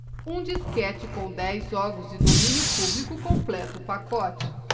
um disquete com dez jogos de domínio público completa o pacote